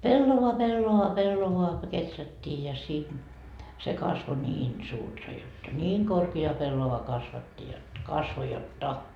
pellava pellava pellavaa kun kehrättiin ja sinne se kasvoi niin suurta jotta niin korkea pellava kasvatti jotta kasvoi jotta